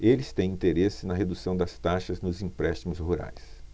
eles têm interesse na redução das taxas nos empréstimos rurais